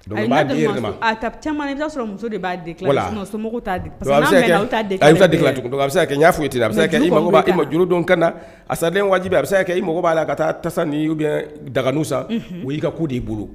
a ka caman na i bɛ t'a sɔrɔ muso de b'a déclarer somɔgɔw t'a a bɛ se kɛ i mago b'a la ka i b' la ka taa tasa ni ou bien daganinw san u daga san, unhun, mais o y'i ka ko de y'i bolo